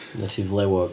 Yn rhy flewog...